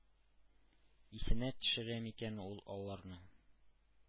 Исенә төшерә микән ул аларны,